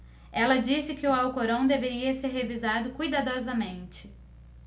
ela disse que o alcorão deveria ser revisado cuidadosamente